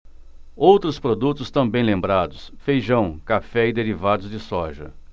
outros produtos também lembrados feijão café e derivados de soja